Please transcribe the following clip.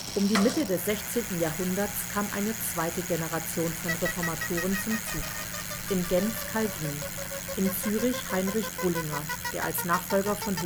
Um die Mitte des 16. Jahrhunderts kam eine zweite Generation von Reformatoren zum Zug. In Genf Calvin, in Zürich Heinrich Bullinger, der als Nachfolger von